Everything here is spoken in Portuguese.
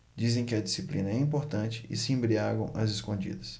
dizem que a disciplina é importante e se embriagam às escondidas